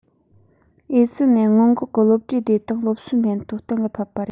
ཨེ ཙི ནད སྔོན འགོག གི སློབ གྲྭའི བདེ ཐང སློབ གསོའི སྨན ཐོ གཏན ལ ཕབ པ རེད